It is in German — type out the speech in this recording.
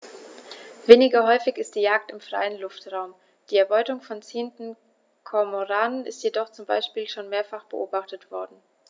Weniger häufig ist die Jagd im freien Luftraum; die Erbeutung von ziehenden Kormoranen ist jedoch zum Beispiel schon mehrfach beobachtet worden.